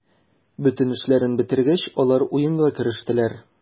Бөтен эшләрен бетергәч, алар уенга керештеләр.